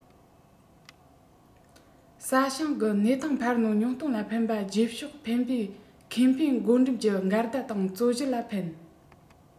ས ཞིང གི གནས ཐང འཕར སྣོན ཉུང གཏོང ལ ཕན པ རྗེས ཕྱོགས ཕན པའི ཁེ ཕན བགོ འགྲེམས ཀྱི འགལ ཟླ དང རྩོད གཞིར ལ ཕན